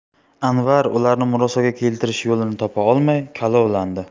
anvar ularni murosaga keltirish yo'lini topa olmay kalovlandi